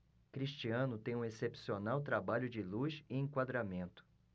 cristiano tem um excepcional trabalho de luz e enquadramento